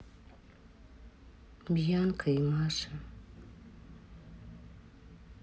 бьянка и маша